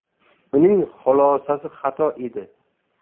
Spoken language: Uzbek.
uning xulosasi xato edi